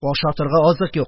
Ашатырга азык юк.